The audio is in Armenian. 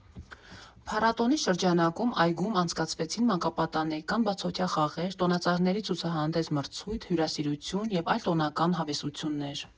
Փառատոնի շրջանակում այգում անցկացվեցին մանկապատանեկան բացօթյա խաղեր, տոնածառների ցուցահանդես֊մրցույթ, հյուրասիրություն և այլ տոնական հավեսություններ։